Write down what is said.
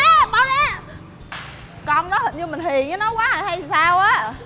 bỏ ra con đó hình như mình hiền với nó quá rồi hay sao ớ